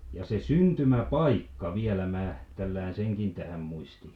ja se syntymäpaikka vielä minä tällään senkin tähän -